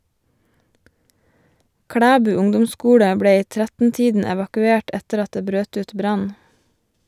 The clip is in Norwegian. Klæbu ungdomsskole ble i 13-tiden evakuert etter at det brøt ut brann.